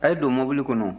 a' ye don mɔbili kɔnɔ